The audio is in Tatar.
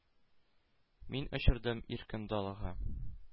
Мин очырдым иркен далага.